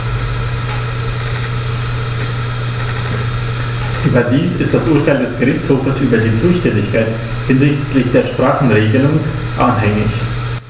Überdies ist das Urteil des Gerichtshofes über die Zuständigkeit hinsichtlich der Sprachenregelung anhängig.